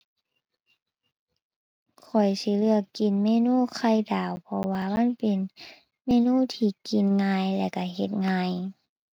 ข้อยสิเลือกกินเมนูไข่ดาว เพราะว่ามันเป็นเมนูที่กินง่ายแล้วก็เฮ็ดง่าย